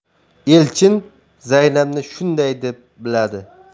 elchin zaynabni shunday deb biladi